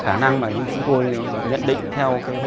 khả năng mà như chúng tôi nhận định theo cái